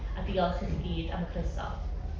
A diolch i chi i gyd am y croeso.